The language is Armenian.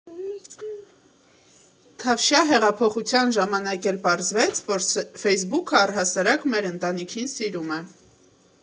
Թավշյա հեղափոխության ժամանակ էլ պարզվեց, որ ֆեյսբուքը առհասարակ մեր ընտանիքին սիրում է.